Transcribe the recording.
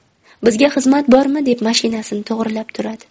bizga xizmat bormi deb mashinasini to'g'rilab turadi